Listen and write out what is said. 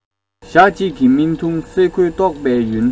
ཞག གཅིག གི རྨི ཐུང སེ གོལ གཏོག པའི ཡུན